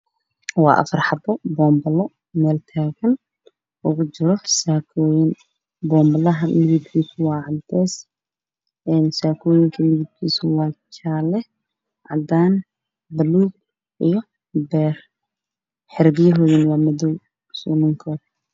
Waa carwo waxaa ii muuqdo saakooyin dubar oo meel sursaran boonbal cadaan ku jiraan waa cadaan buluug beer